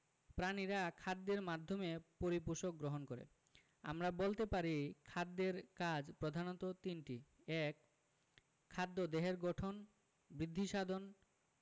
প্রাণীরা খাদ্যের মাধ্যমে পরিপোষক গ্রহণ করে আমরা বলতে পারি খাদ্যের কাজ প্রধানত তিনটি ১. খাদ্য দেহের গঠন বৃদ্ধিসাধন